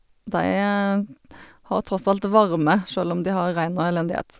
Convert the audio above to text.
De har tross alt varme sjøl om de har regn og elendighet.